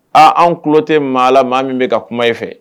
Aa an tulo tɛ maa la maa min bɛ ka kuma in fɛ